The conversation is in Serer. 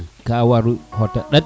ka waru xota ɗat